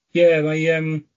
Yeah, mae yym